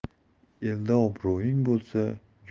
elda obro'ying bo'lsa